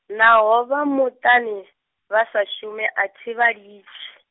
naho vha muṱani, vhasa shumi a thi vha litshi.